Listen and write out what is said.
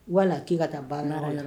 Wala k'i ka taa banna yɔrɔ la